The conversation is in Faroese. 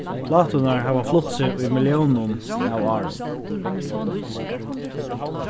pláturnar hava flutt seg í milliónum av árum